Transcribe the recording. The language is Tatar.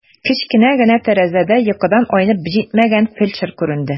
Кечкенә генә тәрәзәдә йокыдан айнып җитмәгән фельдшер күренде.